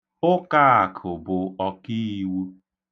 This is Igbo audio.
Ụkaakụ bụ ọkiiwu.